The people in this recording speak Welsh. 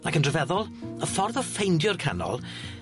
ac yn ryfeddol y ffordd o ffeindio'r canol